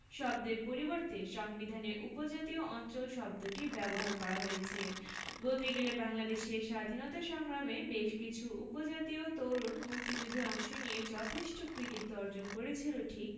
শব্দের পরিবর্তে সংবিধানে উপজাতীয় অঞ্চল শব্দটি ব্যবহার করা হয়েছে বলতে গেলে বাংলাদেশের স্বাধীনতা সংগ্রামে বেশকিছু উপজাতীয় তরুণ মুক্তিযুদ্ধে অংশ নিয়ে যথেষ্ট কৃতিত্ব অর্জন করেছিল ঠিক